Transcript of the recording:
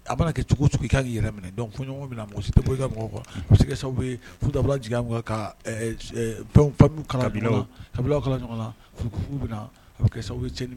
A mana kɛ cogo cogo i kan ki yɛrɛ minɛ . Donc fɔ ɲɔgɔn kɔ bɛ na . Mɔgɔ si tɛ bɔ i ka mɔgɔ kɔ kan. O bi kɛ sababu ye furu dabɔla jigiya mun kama ka familles kala ɲɔgɔnna ka kabilaw kala ɲɔgɔn na furu bɛ na kɛ sababuɛ